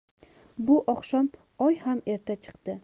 bu oqshom oy ham erta chiqdi